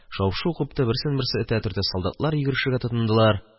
Шау-шу купты, берсен берсе этә-төртә, солдатлар йөгерешергә тотындылар.